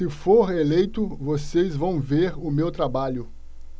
se for eleito vocês vão ver o meu trabalho